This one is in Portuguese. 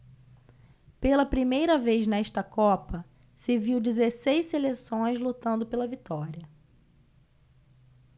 pela primeira vez nesta copa se viu dezesseis seleções lutando pela vitória